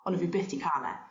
On' 'yf fi byth 'di ca'l e.